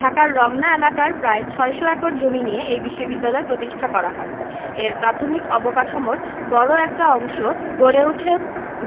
ঢাকার রমনা এলাকার প্রায় ৬০০ একর জমি নিয়ে এ বিশ্ববিদ্যালয় প্রতিষ্ঠা করা হয় এর প্রাথমিক অবকাঠামোর বড় একটি অংশ গড়ে উঠে